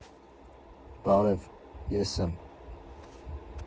Բարև, ես եմ։